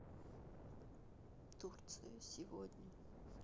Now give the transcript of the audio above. турция сегодня